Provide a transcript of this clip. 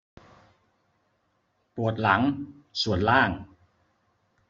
ปวดหลังส่วนล่าง